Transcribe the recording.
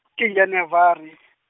ke Janaware.